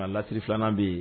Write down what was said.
A lasili 2 nan bɛ ye